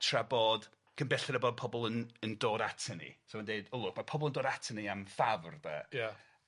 Tra bod cyn belled a bod pobl yn yn dod atyn ni, so mae'n deud, ylwch, ma' pobol yn dod atyn ni am ffafr de. Ia.